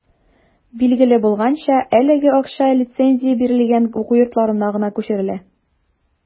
Билгеле булганча, әлеге акча лицензия бирелгән уку йортларына гына күчерелә.